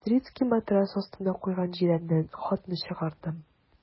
Петрицкий матрац астына куйган җирәннән хатны чыгарды.